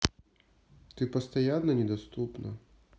ты постоянно недоступна